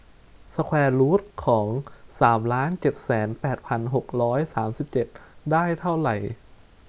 สแควร์รูทของสามล้านเจ็ดแสนแปดพันหกร้อยสามสิบเจ็ดได้เท่าไหร่